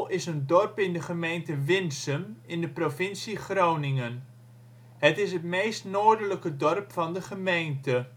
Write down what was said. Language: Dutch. is een dorp in de gemeente Winsum in de provincie Groningen. Het is het meest noordelijke dorp van de gemeente